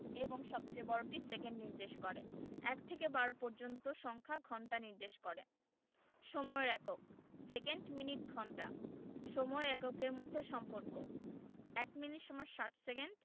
এবং সবচেয়ে বড়টি সেকেন্ড নির্দেশ করে ১ থেকে ১২ পর্যন্ত সংখ্যা ঘন্টা নির্দেশ করে সময়ের এককঃ সেকেন্ড মিনিট ঘন্টা সময়ের এককের মধ্যে সম্পর্কঃ ১ মিনিট = ৬০ সেকেন্ড